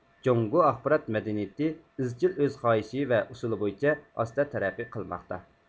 جۇڭگو ئاخبارات مەدەنىيىتى ئىزچىل ئۆز خاھىشى ۋە ئۇسۇلى بويىچە ئاستا تەرەققىي قىلماقتا